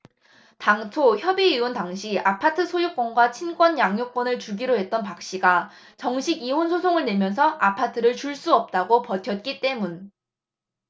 당초 협의이혼 당시 아파트 소유권과 친권 양육권을 주기로 했던 박씨가 정식 이혼 소송을 내면서 아파트를 줄 수 없다고 버텼기 때문